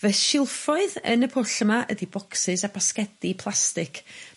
Fy silffoedd yn y pwll yma ydi bocsys a basgedi plastic